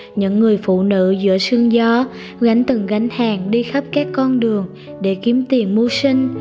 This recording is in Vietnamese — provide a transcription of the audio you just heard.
những phụ nữ giữa sương gió gánh từng gánh hàng đi khắp các con đường để kiếm tiền mưu sinh